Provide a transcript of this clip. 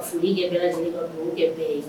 Foli kɛ kɛra sen ka kɛ bɛɛ ye